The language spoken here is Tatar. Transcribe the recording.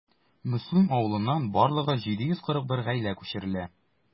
Мөслим авылыннан барлыгы 741 гаилә күчерелә.